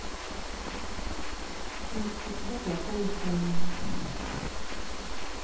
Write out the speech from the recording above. значит у тебя плохое настроение